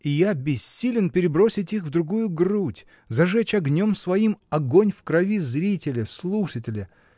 — И я бессилен перебросить их в другую грудь, зажечь огнем своим огонь в крови зрителя, слушателя!